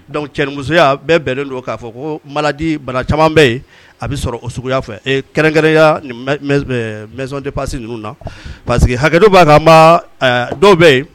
Dɔnkuc cɛmusoya bɛɛ bɛnnen don k'a fɔ ko madi bana caman bɛ yen a bɛ sɔrɔ o suguya fɛ kɛrɛnkɛya pasi ninnu na parce que hakɛdu b'a dɔw bɛ yen